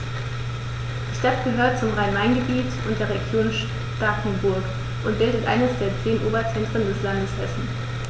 Die Stadt gehört zum Rhein-Main-Gebiet und der Region Starkenburg und bildet eines der zehn Oberzentren des Landes Hessen.